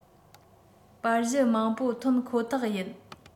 པར གཞི མང པོ ཐོན ཁོ ཐག ཡིན